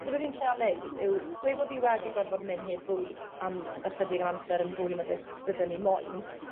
So be' fi'n treial neud yw gweud bo' fi wedi gorfod myn' heb fwyd am ychydig yn amser yn fwy na beth bydden i moyn